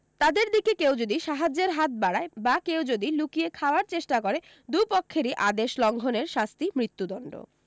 তাদের দিকে কেউ যদি সাহায্যের হাত বাড়ায় বা কেউ যদি লুকিয়ে খাওয়ার চেষ্টা করে দু পক্ষেরই আদেশ লঙ্ঘনের শাস্তি মৃত্যুদন্ড